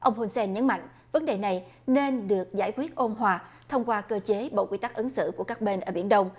ông hun sen nhấn mạnh vấn đề này nên được giải quyết ôn hòa thông qua cơ chế bộ quy tắc ứng xử của các bên ở biển đông